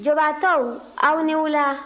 jobaatɔw aw ni wula